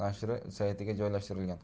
nashri saytiga joylashtirilgan